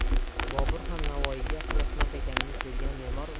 bobur ham navoiyga ixlosmand ekanini sezgan memor